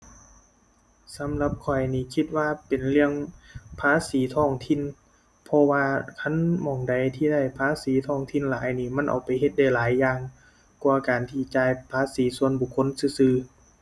สำหรับข้อยนี้ คิดว่าเป็นเรื่องภาษีท้องถิ่น เพราะว่าคันหม้องใดที่ได้ภาษีท้องถิ่นหลายหนิมันเอาไปเฮ็ดได้หลายอย่าง กว่าการที่จ่ายภาษีส่วนบุคคลซื่อซื่อ